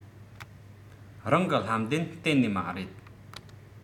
རང གི ལྷམ གདན གཏན ནས མ རེད